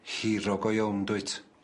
Hero go iown dwyt.